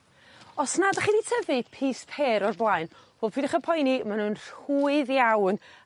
Os na 'dach chi 'di tyfu pys pêr o'r blaen wel pidwch â poeni ma' nw'n rwydd iawn